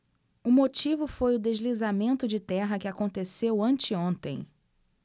o motivo foi o deslizamento de terra que aconteceu anteontem